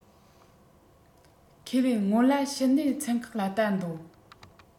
ཁས ལེན སྔོན ལ ཕྱི ནད ཚན ཁག ལ བལྟ འདོད